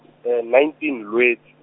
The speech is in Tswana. nineteen Lwetse.